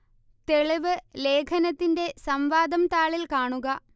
തെളിവ് ലേഖനത്തിന്റെ സംവാദം താളിൽ കാണുക